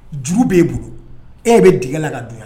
Juru be bolo e ɲɛ be dingɛ la ka don yan